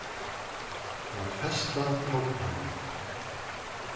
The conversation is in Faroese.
at festa tógvið